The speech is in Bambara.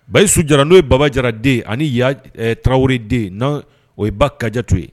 Ba ye sudi n'o ye baba jara den ani tarawele den n' o ye ba ka ja to ye